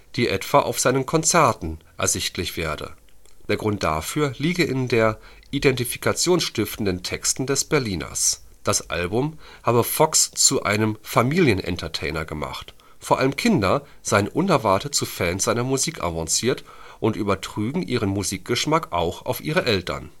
die etwa auf seinen Konzerten ersichtlich werde. Der Grund dafür liege in den identifikationsstiftenden Texten des Berliners. Das Album habe Fox zu einem „ Familien-Entertainer “gemacht, vor allem Kinder seien unerwartet zu Fans seiner Musik avanciert und übertrügen ihren Musikgeschmack auch auf ihre Eltern